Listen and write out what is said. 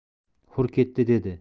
hur ketdi dedi